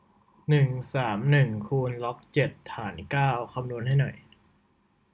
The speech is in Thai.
หนึ่งสามหนึ่งคูณล็อกเจ็ดฐานเก้าคำนวณให้หน่อย